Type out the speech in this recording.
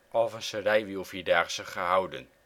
Alphense Rijwielvierdaagse gehouden